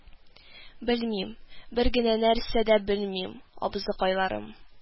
Белмим, бер генә нәрсә дә белмим, абзыкайларым